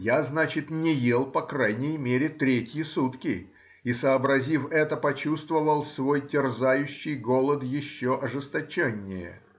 Я, значит, не ел по крайней мере третьи сутки и, сообразив это, почувствовал свой терзающий голод еще ожесточеннее.